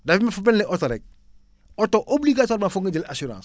day mel fa benn oto rek oto obligatoirement foog nga jël assurance